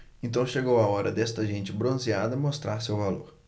então chegou a hora desta gente bronzeada mostrar seu valor